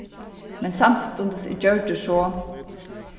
men samstundis er gjørdur so